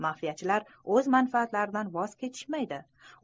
mafiyachilar o'z manfaatlaridan voz kechishmaydi